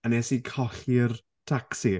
a wnes i colli'r tacsi.